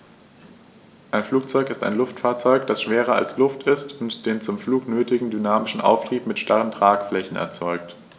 Ein Flugzeug ist ein Luftfahrzeug, das schwerer als Luft ist und den zum Flug nötigen dynamischen Auftrieb mit starren Tragflächen erzeugt.